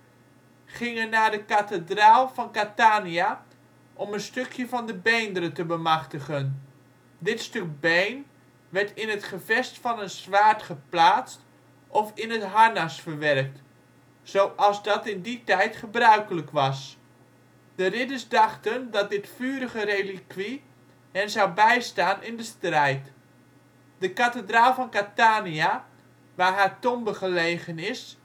gingen naar de kathedraal van Catania om een stukje van de beenderen te bemachtigen. Dit stuk been werd in het gevest van een zwaard geplaatst of in het harnas verwerkt, zoals dat in die tijd gebruikelijk was. De ridders dachten dat dit vurige relikwie hen zou bijstaan in de strijd. De kathedraal van Catania, waar haar tombe gelegen is